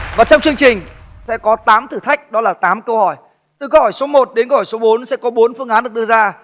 và trong chương trình sẽ có tám thử thách đó là tám câu hỏi từ câu hỏi số một đến câu hỏi số bốn sẽ có bốn phương án được đưa ra